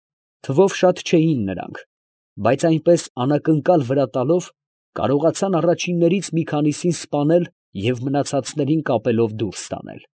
Թվով շատ չէին նրանք, բայց այնպես անակընկալ վրա տալով, կարողացան առաջիններից մի քանիսին սպանել և մնացածներին կապելով դուրս տանել։